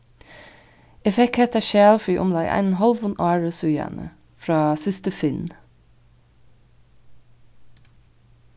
eg fekk hetta skjal fyri umleið einum hálvum ári síðani frá systur finn